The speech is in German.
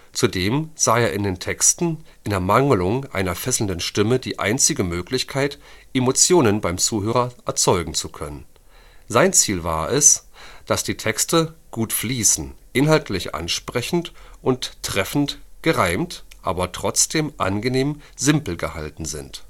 Zudem sah er in den Texten, in Ermangelung einer fesselnden Stimme, die einzige Möglichkeit, Emotionen beim Zuhörer erzeugen zu können. Sein Ziel war es, dass „ die Texte gut fließen, inhaltlich ansprechend und treffend gereimt […], aber trotzdem angenehm simpel gehalten [sind